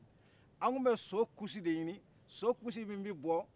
an tun bɛ so kusi de ɲini so kusi min bɛ bɔ